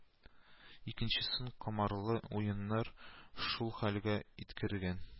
Икенчесен комарлы уеннар шул хәлгә иткергән